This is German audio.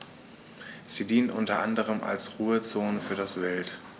Sie dienen unter anderem als Ruhezonen für das Wild.